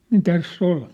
niin tässä oli